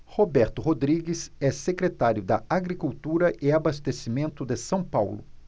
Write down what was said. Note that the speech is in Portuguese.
roberto rodrigues é secretário da agricultura e abastecimento de são paulo